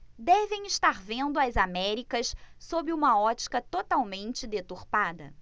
devem estar vendo as américas sob uma ótica totalmente deturpada